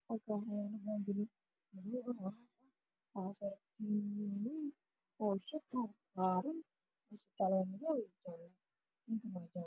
Halkaan waxaa yaalo bombal bumbalka midabkiisu waa madow waxaa suran ka tianado fara badan midabkoodana waa dahabi